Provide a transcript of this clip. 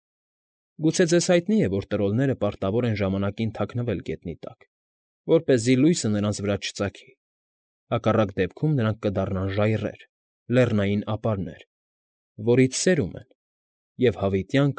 Գուցե ձեզ հայտնի է, որ տրոլները պարտավոր են ժամանակին թաքնվել գետնի տակ, որպեսզի լույսը նրանց վրա չծագի, հակառակ դեպքում նրանք կդառնան ժայռեր, լեռնային ապարներ, որից սերում են, և հավիտյան։